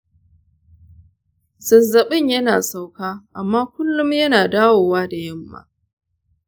zazzabin yana sauka amma kullum yana dawowa da yamma.